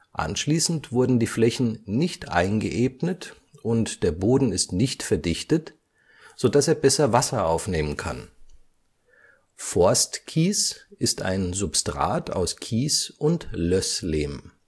Anschließend wurden die Flächen nicht eingeebnet und der Boden nicht verdichtet, so dass er besser Wasser aufnehmen kann. Forstkies ist ein Substrat aus Kies und Lösslehm